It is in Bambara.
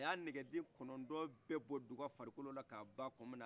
a ye nɛgɛden kɔnɔntɔn bɛɛ bɔ duga farikolo la k' a ba tuman min na